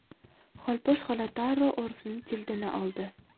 xolposh xola darrov orifning jildini oldi